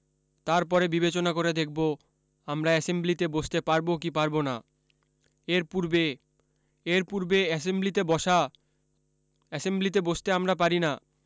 তারপরে বিবেচনা করে দেখব আমরা এসেম্বলিতে বসতে পারব কি পারব না এর পূর্বে এর পূর্বে এসেম্বলিতে বসা এসেম্বলিতে বসতে আমরা পারি না